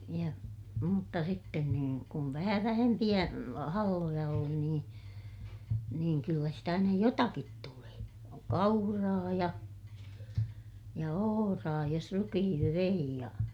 ja mutta sitten kun kun vähän vähempiä halloja oli niin niin kyllä sitä nyt jotakin tulee kauraa ja ja ohraa jos rukiinkin vei ja